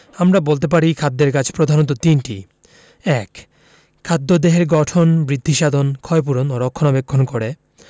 আমরা বলতে পারি খাদ্যের কাজ প্রধানত তিনটি ১. খাদ্য দেহের গঠন বৃদ্ধিসাধন ক্ষয়পূরণ ও রক্ষণাবেক্ষণ করে